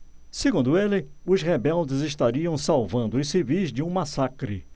segundo ele os rebeldes estariam salvando os civis de um massacre